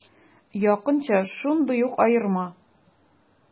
Якынча шундый ук аерма.